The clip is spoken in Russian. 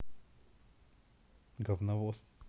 говновоз